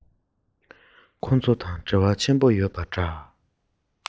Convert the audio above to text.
ཁོ ཚོ དང འབྲེལ བ ཆེན པོ ཡོད པ འདྲ